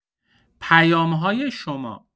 پیام‌های شما